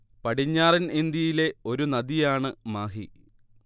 പടിഞ്ഞാറൻ ഇന്ത്യയിലെ ഒരു നദിയാണ് മാഹി